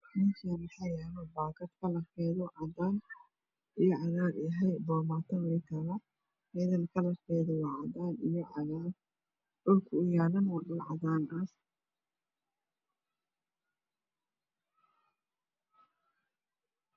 Meshan waxaa yaalo paakad kalrkeedu cadaan iyo cagaar yahy poomaato wey taala iyadan kalarkeedu cadaan yahay dhulka uu yalana waa dhul cadaan ah